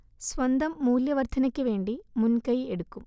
സ്വന്തം മൂല്യ വർധ്നക്ക് വേണ്ടി മുൻ കൈ എടുക്കും